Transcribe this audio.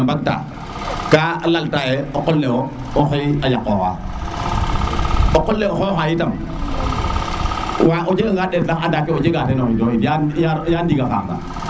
ka lal taye o qol lewo o xey a yaqoxa o qole o xoxa itam wa o jega ga ɗet lax anda ke ke o jega teen o xido xid ya ya ndiga faaf na